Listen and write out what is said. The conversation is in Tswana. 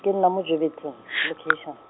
ke nna mo Jouberton, location.